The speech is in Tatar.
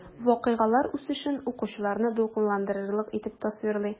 Вакыйгалар үсешен укучыларны дулкынландырырлык итеп тасвирлый.